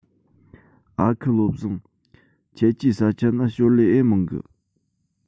ཨ ཁུ བློ བཟང ཁྱེད ཆའི ས ཆ ན ཞོར ལས ཨེ མང གི